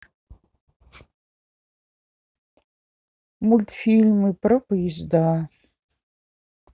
мультфильмы про поезда